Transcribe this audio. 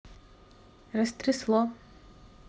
растрясло